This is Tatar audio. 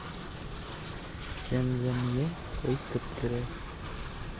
Зәмзәмия кайтып керә.